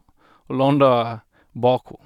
Og landa bak hun.